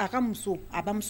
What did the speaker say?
A ka muso a